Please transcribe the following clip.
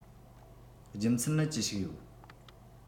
རྒྱུ མཚན ནི ཅི ཞིག ཡོད